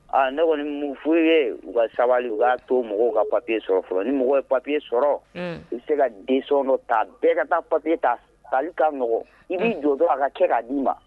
Aa ne kɔni furu ye u ka sabali u b'a to mɔgɔw ka papiye sɔrɔ fɔlɔ ni mɔgɔ ka papiye sɔrɔ i bɛ se ka densɔn ta bɛɛ ka taa papiye ta ka mɔgɔ i b'i jɔ don a ka kɛ k'a d'i ma